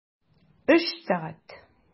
Өч сәгать!